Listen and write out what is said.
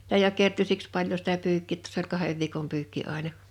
sitä jo kertyy siksi paljon sitä pyykki' jotta se oli kahden viikon pyykki aina